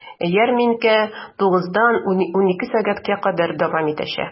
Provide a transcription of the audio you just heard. Ярминкә 9 дан 12 сәгатькә кадәр дәвам итәчәк.